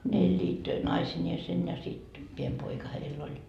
ne elivät naisineen ja sitten pieni poika heillä oli